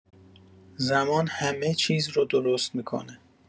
زمان همه چیز رو درست می‌کنه!